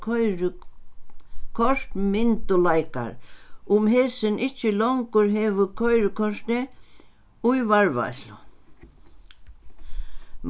koyri kort myndugleikar um hesin ikki longur hevur koyrikortið í varðveitslu